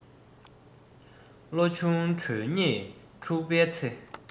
བློ ཆུང གྲོས ཉེས འཁྲུགས པའི ཚེ